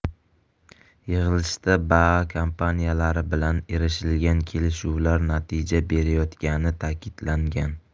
yig'ilishda baa kompaniyalari bilan erishilgan kelishuvlar natija berayotgani ta'kidlangan